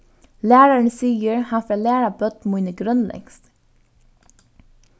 lærarin sigur hann fer at læra børn míni grønlendskt